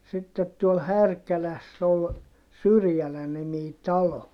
sitten tuolla Härkälässä oli Syrjälä-niminen talo